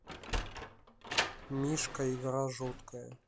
мишка игра жуткая